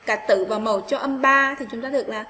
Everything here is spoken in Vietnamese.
trật tự và màu cho thì chúng ta được